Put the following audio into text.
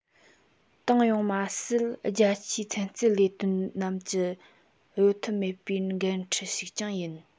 ཏང ཡོངས མ ཟད རྒྱ ཆེའི ཚན རྩལ ལས དོན པ རྣམས ཀྱི གཡོལ ཐབས མེད པའི འགན འཁྲི ཞིག ཀྱང ཡིན